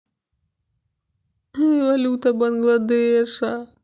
валюта бангладеша